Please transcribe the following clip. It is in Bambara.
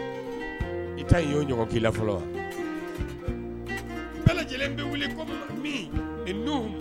I y'o la fɔlɔ lajɛlen bɛ wuli ko min